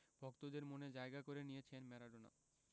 ভক্তদের মনে জায়গা করে নিয়েছেন ম্যারাডোনা